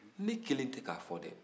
ne kelen tɛ k'a fɔ dɛ